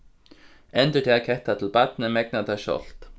endurtak hetta til barnið megnar tað sjálvt